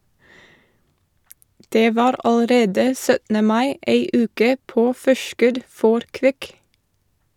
Det var allerede 17. mai ei uke på forskudd for Kvik.